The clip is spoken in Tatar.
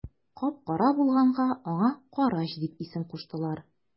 Кап-кара булганга аңа карач дип исем куштылар.